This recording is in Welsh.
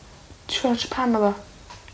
Dwi me'wl Japan odd o.